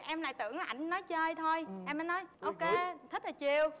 em lại tưởng là anh nói chơi thôi em mới nói ô kê thích thì chiều